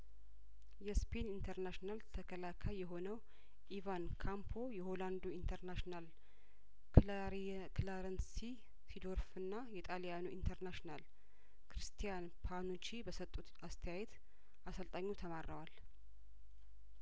የስፔን ኢንተርናሽናል ተከላካይ የሆነው ኢቫን ካምፖ የሆላንዱ ኢንተርናሽናል ክላሪ የክላረን ሲሲዶርፍና የጣልያኑ ኢንተርናሽናል ክሪስቲያን ፓኑቺ በሰጡት አስተያየት አሰልጣኙ ተማረዋል